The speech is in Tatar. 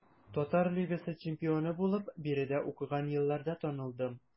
Татар лигасы чемпионы булып биредә укыган елларда танылдым.